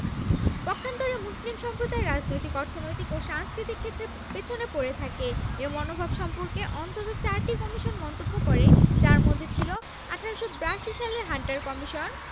পক্ষান্তরে মুসলিম সম্প্রদায় রাজনৈতিক অর্থনৈতিক ও সাংস্কৃতিক ক্ষেত্রে পেছনে পড়ে থাকে এ মনোভাব সম্পর্কে অন্তত চারটি কমিশন মন্তব্য করে যার মধ্যে ছিল ১৮৮২ সালের হান্টার কমিশন